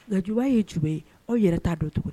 Nka juman ye jumɛn ye anw yɛrɛ t'a dɔn tugun